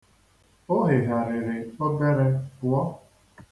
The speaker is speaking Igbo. O hegharịrị obere pụọ.